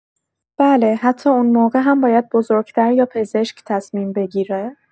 بله، حتی اون موقع هم باید بزرگ‌تر یا پزشک تصمیم بگیره.